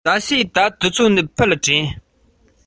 ཟོ དང ཟོ དང ཟེར